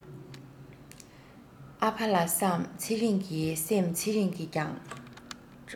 ཨ ཕ ལ བསམ ཚེ རིང གི སེམས ཚེ རིང གིས ཀྱང